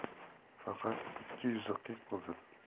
faqat ikki yuzi qip qizil